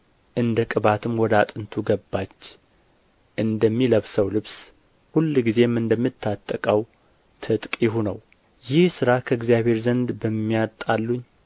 እንደ ቅባትም ወደ አጥንቱ ገባች እንደሚለብሰው ልብስ ሁልጊዜም እንደሚታጠቀው ትጥቅ ይሁነው ይህ ሥራ ከእግዚአብሔር ዘንድ በሚያጣሉኝ